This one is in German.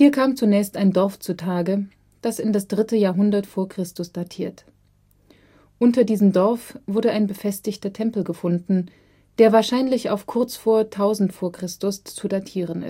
kam zunächst ein Dorf zu Tage, das in das dritte Jahrhundert v. Chr. datiert. Unter diesem Dorf wurde ein befestigter Tempel gefunden, der wahrscheinlich auf kurz vor 1000 v. Chr. zu datieren